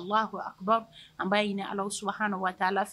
An'a ɲini ala su h wa taa ala